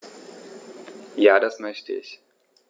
Ja, das möchte ich.